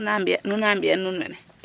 kaaga nuna nuna mbi'an nuun wene?